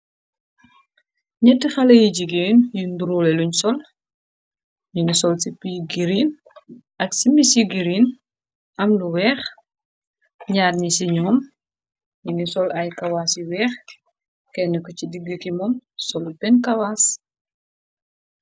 Netti xala yi jigéen yu nduróole luñ sol, ningi sol ci pi girin ak si mi ci girin am lu weex, gñaar ni ci ñoom ningi sol ay kawaas yi weex kenn ko ci diggu ki moom solu benn kawaas.